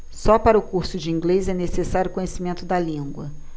só para o curso de inglês é necessário conhecimento da língua